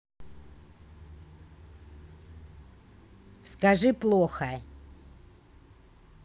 скажи плохо